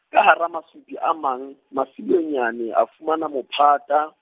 ka hara masupi a mang, Masilonyane a fumana mophata.